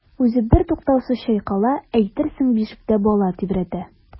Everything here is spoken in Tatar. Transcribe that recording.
Үзе бертуктаусыз чайкала, әйтерсең бишектә бала тибрәтә.